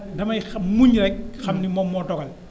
damay xam muñ rek xam ni moom moo dogal